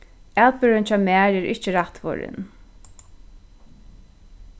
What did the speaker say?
atburðurin hjá mær er ikki rættvorðin